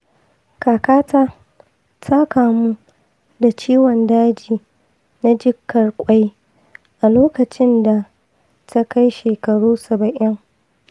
kakata ta kamu da ciwon daji na jikkar ƙwai a lokacin da ta kai shekaru saba'in